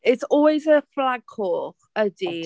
It's always a flag coch, ydi.